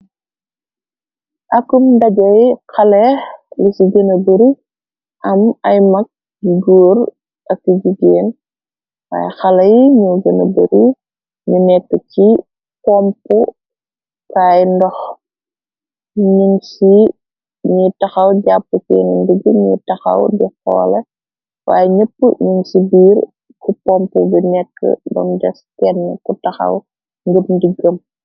Akum ndajay xale, lu ci gëna bari am ay mag yu góor ak yu jigeen, waaye xale yi ñu gëna bari, ñu nekk ci pompkaay ndox, nyun ci ñu taxaw jàpp senne ndig, ñi taxaw di xoole way nëpp nyun ci biir ku pomp bi nekk, bam des kenn ku taxaw ngëm ndiggam.